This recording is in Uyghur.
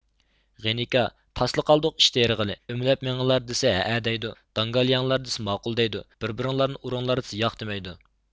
غېنىكا تاسلا قالدۇق ئېش تېرىغىلى ئۆمىلەپ مېڭىڭلار دېسە ھەئە دەيدۇ داڭگال يەڭلار دېسە ماقۇل دەيدۇ بىر بىرىڭلارنى ئۇرۇڭلار دېسە ياق دېمەيدۇ